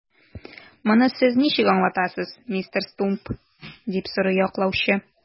Моны сез ничек аңлатасыз, мистер Стумп? - дип сорый яклаучы.